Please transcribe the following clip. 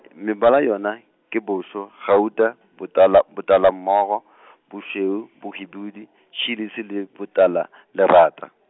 mebala yona, ke boso, gauta , botala botalamorogo , bošweu , bohwibidu, tšhilisi le botalalerata.